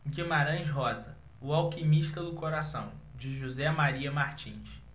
guimarães rosa o alquimista do coração de josé maria martins